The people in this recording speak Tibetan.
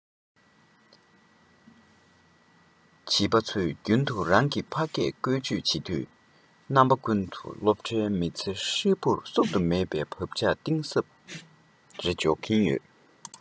བྱིས པ ཚོས རྒྱུན དུ རང གི ཕ སྐད བཀོལ སྤྱོད དུས དང རྣམ པ ཀུན ཏུ སློབ གྲྭའི མི ཚེ ཧྲིལ པོར བསུབ ཏུ མེད པའི བག ཆགས གཏིང ཟབ མོ རེ འཇོག གིན ཡོད དེ